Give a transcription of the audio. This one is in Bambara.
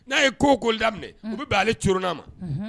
N'a ye ko ko daminɛ u bɛ ale curunrnaa ma